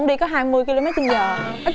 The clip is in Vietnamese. đi có hai mươi ki lô mét trên giờ à